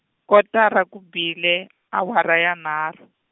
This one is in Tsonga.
kotara ku bile awara ya nharhu.